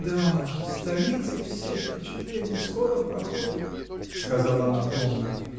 — Да, в столице все впечатления скоро проходят! — сказала она томно.